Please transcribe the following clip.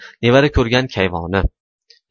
nevara ko'rgan kayvoni